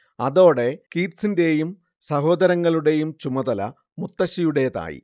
അതോടെ കീറ്റ്സിന്റേയും സഹോദരങ്ങളുടേയും ചുമതല മുത്തശ്ശിയുടേതായി